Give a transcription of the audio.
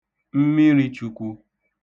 mmirīchūkwū